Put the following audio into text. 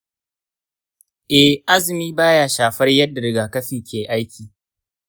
e, azumi baya shafar yadda rigakafi ke aiki.